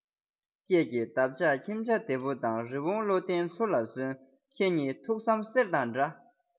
ཀྱེ ཀྱེ འདབ ཆགས ཁྱིམ བྱ དེ ཕོ དང རི བོང བློ ལྡན ཚུར ལ གསོན ཁྱེད གཉིས ཐུགས བསམ གསེར དང འདྲ